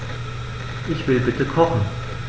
Ich will bitte kochen.